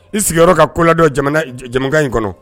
I sigiyɔrɔ ka kola dɔ jamana in kɔnɔ